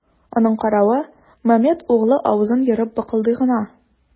Аның каравы, Мамед углы авызын ерып быкылдый гына.